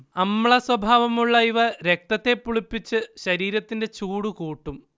അമ്ലസ്വഭാവമുള്ള ഇവ രക്തത്തെ പുളിപ്പിച്ച് ശരീരത്തിന്റെ ചൂടു കൂട്ടും